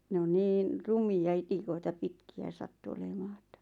ne on niin rumia itikoita pitkiä sattui olemaan että